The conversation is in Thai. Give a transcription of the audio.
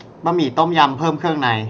บะหมี่ต้มยำเพิ่มเครื่องใน